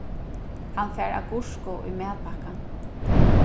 hann fær agurku í matpakka